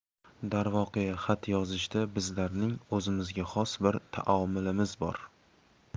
darvoqe xat yozishda bizlarning o'zimizga xos bir taomilimiz bor